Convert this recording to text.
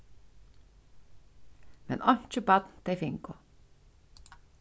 men einki barn tey fingu